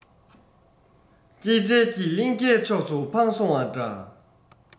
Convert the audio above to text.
སྐྱེད ཚལ གྱི གླིང གའི ཕྱོགས སུ འཕངས སོང བ འདྲ